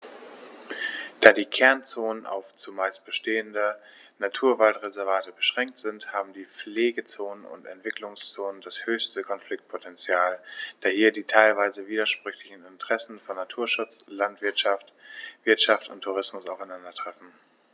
Da die Kernzonen auf – zumeist bestehende – Naturwaldreservate beschränkt sind, haben die Pflegezonen und Entwicklungszonen das höchste Konfliktpotential, da hier die teilweise widersprüchlichen Interessen von Naturschutz und Landwirtschaft, Wirtschaft und Tourismus aufeinandertreffen.